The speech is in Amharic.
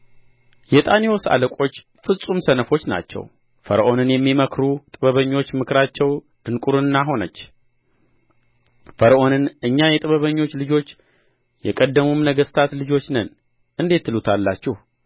የጣኔዎስ አለቆች ፍጹም ሰነፎች ናቸው ፈርዖንን የሚመክሩ ጥበበኞች ምክራቸው ድንቍርና ሆነች ፈርዖንን እኛ የጥበበኞች ልጆች የቀደሙም ነገሥታት ልጆች ነን እንዴት ትሉታላችሁ